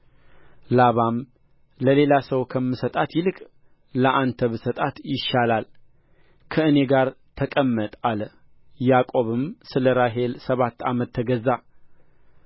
ላባም ለሌላ ሰው ከምሰጣት ይልቅ ለአንተ ብሰጣት ይሻላል ከእኔ ጋር ተቀመጥ አለ ያዕቆብም ስለ ራሔል ሰባት ዓመት ተገዛ